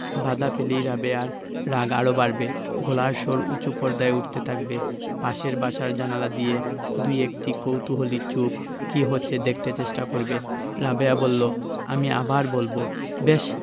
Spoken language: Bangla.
বাধা পেলেই রাবেয়ার রাগ আরো বাড়বে গলার স্বর উচু পর্দায় উঠতে থাকবে পাশের বাসার জানালা দিয়ে দুএকটি কৌতুহলী চোখ কি হচ্ছে দেখতে চেষ্টা করবে রাবেয়া বললো আমি আবার বলবো বেশ